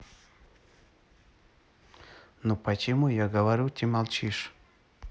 ну почему я говорю ты молчишь